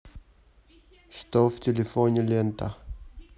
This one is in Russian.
что в телефоне лента